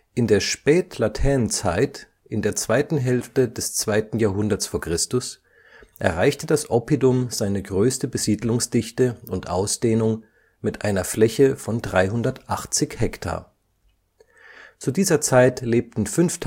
In der Spätlatènezeit, in der zweiten Hälfte des 2. Jahrhunderts v. Chr., erreichte das Oppidum seine größte Besiedlungsdichte und Ausdehnung mit einer Fläche von 380 Hektar. Zu dieser Zeit lebten 5.000